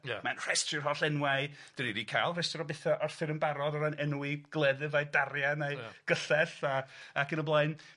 Ia. Mae'n rhestri'r holl enwau 'dan ni 'di ca'l restr o betha Arthur yn barod o ran enwi gleddyf a'i darian a'i... Ia. ...gyllell a ac yn y blaen.